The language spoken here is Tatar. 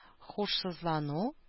Һушсызлану